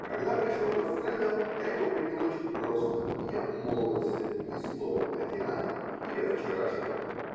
Когда пришел Гоффредо, я его принял очень просто и не обмолвился ни словом о Диане или о вчерашнем.